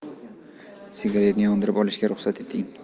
sigaretni yondirib olishga ruxsat eting